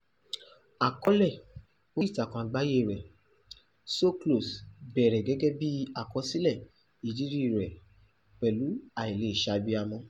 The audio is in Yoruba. Àkọọ́lẹ̀ oríìtakùn àgbáyé rẹ̀, So Close, bẹ̀rẹ̀ gẹ́gẹ́ bíi àkọsílẹ̀ ìrírí rẹ̀ pẹ̀lú àìlèṣabiyamọ.